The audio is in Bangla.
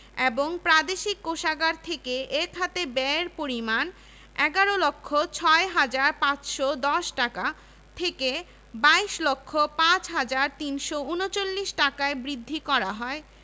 এবং প্রাদেশিক কোষাগার থেকে এ খাতে ব্যয়ের পরিমাণ ১১ লক্ষ ৬ হাজার ৫১০ টাকা থেকে ২২ লক্ষ ৫ হাজার ৩৩৯ টাকায় বৃদ্ধি করা হয়